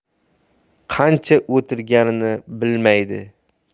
qancha o'tirganini bilmaydi